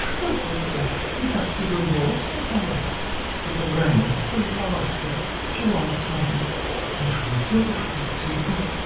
-- Что это у тебя, никак седой волос, мать моя? Ты побрани свою Палашку. Чего она смотрит? -- Уж вы, тетушка, всегда.